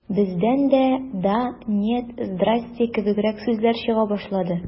Бездән дә «да», «нет», «здрасте» кебегрәк сүзләр чыга башлады.